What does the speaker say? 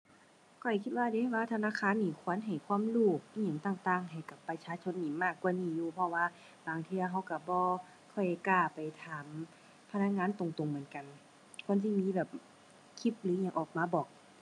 ข้อยคิดว่าเดะ ว่าธนาคารนี่ควรให้ความรู้อิหยังต่างต่างให้กับประชาชนนี่ มากกว่านี้อยู่ เพราะว่าบางเทื่อเราเราบ่ค่อยกล้าไปถามพนักงานตรงตรงเหมือนกัน ควรสิมีแบบคลิปหรืออิหยังออกมาบอก